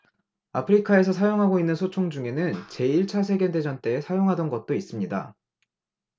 아프리카에서 사용하고 있는 소총 중에는 제 일 차 세계 대전 때 사용하던 것도 있습니다